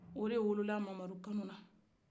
o de wolola mamakanu na